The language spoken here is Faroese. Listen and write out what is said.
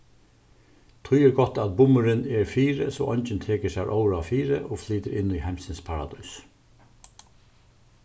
tí er gott at bummurin er fyri so eingin tekur sær óráð fyri og flytur inn í heimsins paradís